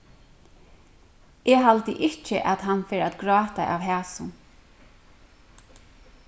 eg haldi ikki at hann fer at gráta av hasum